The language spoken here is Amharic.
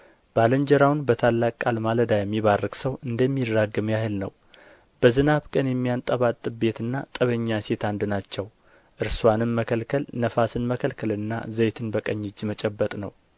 ባልንጀራውን በታላቅ ቃል ማለዳ የሚባርክ ሰው እንደሚራገም ያህል ነው በዝናብ ቀን የሚያንጠባጥብ ቤትና ጠበኛ ሴት አንድ ናቸው እርስዋንም መከልከል ነፍስን መከልከልና ዘይትን በቀኝ እጅ መጨበጥ ነው